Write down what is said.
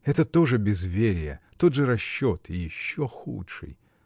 Это то же безверие, тот же расчет -- и еще худший.